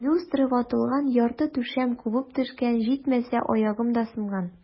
Люстра ватылган, ярты түшәм кубып төшкән, җитмәсә, аягым да сынган.